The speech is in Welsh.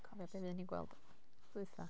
Cofio be fuon ni'n gweld ddwytha?